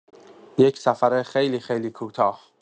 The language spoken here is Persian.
یک سفر خیلی‌خیلی کوتاه